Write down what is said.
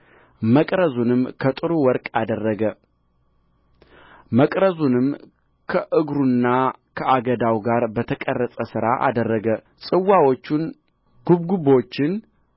መቅረዙንም ከጥሩ ወርቅ አደረገ መቅረዙንም ከእግሩና ከአገዳው ጋር በተቀረጸ ሥራ አደረገ ጽዋዎቹን ጕብጕቦቹን